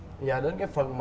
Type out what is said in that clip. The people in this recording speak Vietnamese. dạ đến cái phần